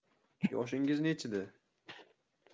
yoshingiz nechida